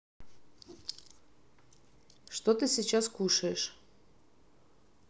что ты сейчас кушаешь